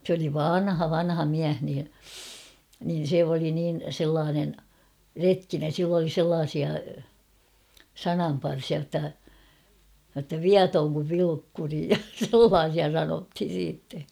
se oli vanha vanha mies niin niin se oli niin sellainen retkinen sillä oli sellaisia sananparsia jotta jotta viaton kuin Vilukkuri ja sellaisia sanottiin sitten